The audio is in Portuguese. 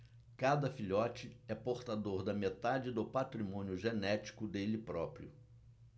cada filhote é portador da metade do patrimônio genético dele próprio